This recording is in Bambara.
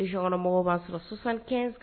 Région kɔnɔmɔgɔw b'a sɔrɔ 75